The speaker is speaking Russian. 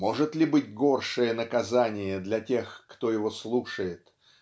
может ли быть горшее наказание для тех кто его слушает